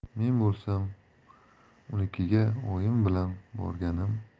men bo'lsam unikiga oyim bilan borganim